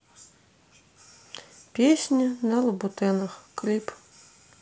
песни на лабутенах клип